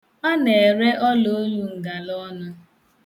Ọ na-ere ọlaolu ngala ọnụ.